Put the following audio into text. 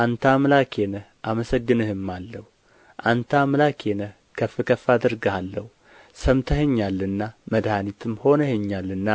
አንተ አምላኬ ነህ አመሰግንህማለሁ አንተ አምላኬ ነህ ከፍ ከፍ አደርግሃለሁ ሰምተኸኛልና መድኃኒትም ሆነኸኛልና